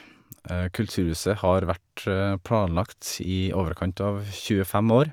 Kulturhuset har vært planlagt i overkant av tjuefem år.